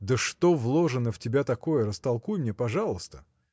– Да что вложено в тебя такое, растолкуй мне, пожалуйста?